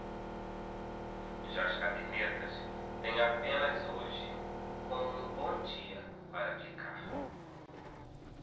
já as cadernetas têm apenas hoje como um bom dia para aplicar